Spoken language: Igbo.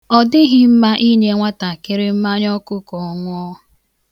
Ọ dịghị mma inye nwatakịrị mmanyaọkụ ka ọṅụọ.